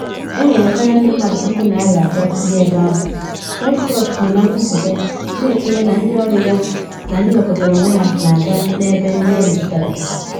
Enwere karịa ndị mmadụ 300,000 bi ebe ahụ,” Red Cross kwuru na nkwupute, na etinye na ndị ọrụ ya na ndị wepụtara onwe ha na aga n’ebe ndị emetụtara.